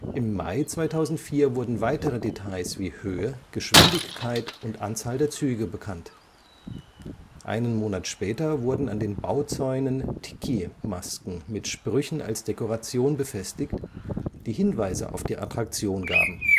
Im Mai 2004 wurden weitere Details wie Höhe, Geschwindigkeit und Anzahl der Züge bekannt. Einen Monat später wurden an den Bauzäunen Tiki-Masken mit Sprüchen als Dekoration befestigt, die Hinweise auf die Attraktion gaben